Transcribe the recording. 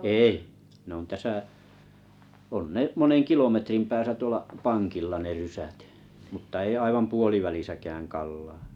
ei ne on tässä on ne monen kilometrin päässä tuolla pankilla ne rysät mutta ei aivan puolivälissäkään Kallaa